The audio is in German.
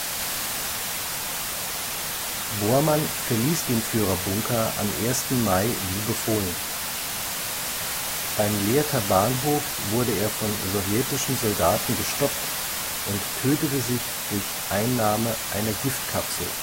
Bormann verließ den Führerbunker am 1. Mai wie befohlen. Beim Lehrter Bahnhof wurde er von sowjetischen Soldaten gestoppt und tötete sich durch Einnahme einer Giftkapsel